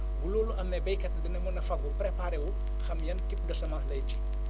bu loolu amee béykat bi dana mën a fagu préparer wu xam yan types de semence lay ji